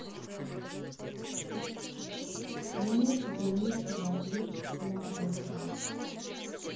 мне тебе нечего ответить на это